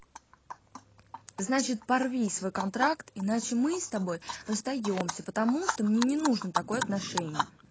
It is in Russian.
значит порви свой контракт иначе мы с тобой расстаемся потому что мне не нужно такое отношение